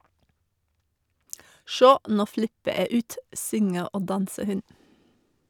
- Sjå, no flippe æ ut, synger og danser hun.